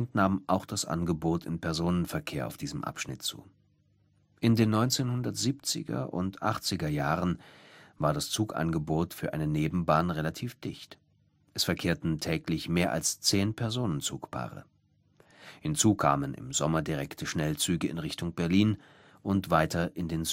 nahm auch das Angebot im Personenverkehr auf diesem Abschnitt zu. In den 1970er und 1980er Jahren war das Zugangebot für eine Nebenbahn relativ dicht; es verkehrten täglich mehr als zehn Personenzugpaare. Hinzu kamen im Sommer direkte Schnellzüge in Richtung Berlin und weiter in den